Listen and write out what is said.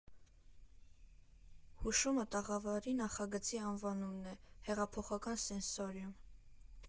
Հուշումը տաղավարի նախագծի անվանումն է՝ «Հեղափոխական սենսորիում»։